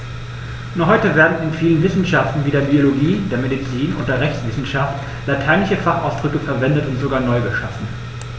Noch heute werden in vielen Wissenschaften wie der Biologie, der Medizin und der Rechtswissenschaft lateinische Fachausdrücke verwendet und sogar neu geschaffen.